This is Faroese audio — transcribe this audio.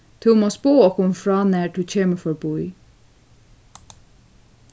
tú mást boða okkum frá nær tú kemur forbí